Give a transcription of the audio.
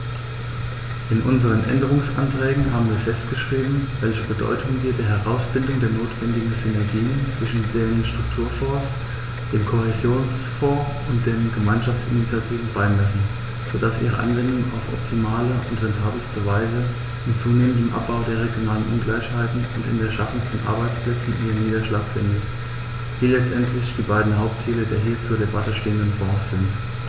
In unseren Änderungsanträgen haben wir festgeschrieben, welche Bedeutung wir der Herausbildung der notwendigen Synergien zwischen den Strukturfonds, dem Kohäsionsfonds und den Gemeinschaftsinitiativen beimessen, so dass ihre Anwendung auf optimale und rentabelste Weise im zunehmenden Abbau der regionalen Ungleichheiten und in der Schaffung von Arbeitsplätzen ihren Niederschlag findet, die letztendlich die beiden Hauptziele der hier zur Debatte stehenden Fonds sind.